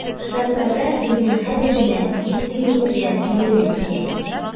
Штатларда безнең хәзер генә дистрибуция көйләнеп килә.